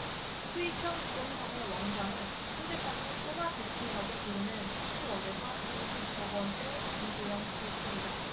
수익형 부동산의 왕좌는 현재까지 꼬마 빌딩이라고 불리는 삼십 억 에서 오십 억 원대 중소형 빌딩이다